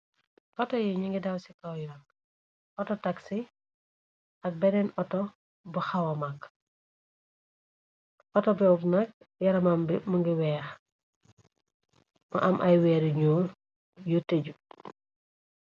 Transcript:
Otto yi ñu ngi daw ci kaw yoon wi, otto taxi ak beneen auto bu xawa magg, otto boobu nak yaramam bi mu ngi weex, mu am ay weer bu ñuul yu tëju.